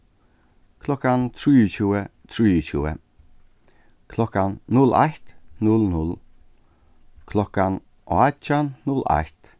klokkan trýogtjúgu trýogtjúgu klokkan null eitt null null klokkan átjan null eitt